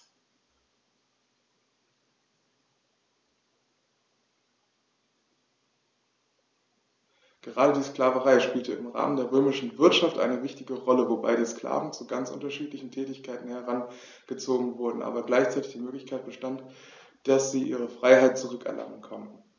Gerade die Sklaverei spielte im Rahmen der römischen Wirtschaft eine wichtige Rolle, wobei die Sklaven zu ganz unterschiedlichen Tätigkeiten herangezogen wurden, aber gleichzeitig die Möglichkeit bestand, dass sie ihre Freiheit zurück erlangen konnten.